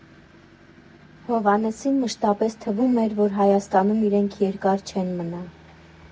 Հովհաննեսին մշտապես թվում էր, որ Հայաստանում իրենք երկար չեն մնա.